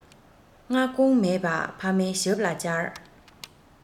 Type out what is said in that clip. སྔ དགོང མེད པ ཕ མའི ཞབས ལ བཅར